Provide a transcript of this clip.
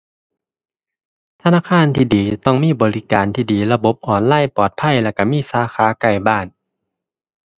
ธนาคารที่ดีต้องมีบริการที่ดี ระบบออนไลน์ปลอดภัย แล้วก็มีสาขาใกล้บ้าน